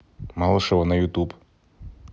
малышева на ютуб